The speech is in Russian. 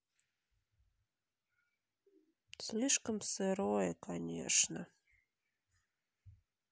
слишком сырое конечно